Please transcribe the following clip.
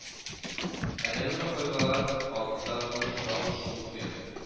Әлеге вакыйгалар халыкта зур шау-шу уятты